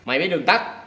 mày biết đường tắt